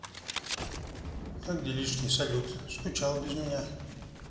как делишки салют скучал без меня